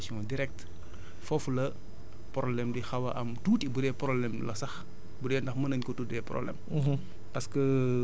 bu dee da nga ko bëgg a def une utilisation directe foofu la problème di xaw a am tuuti bu dee problème la saxbu dee ndax mën nañu ko tuddee problème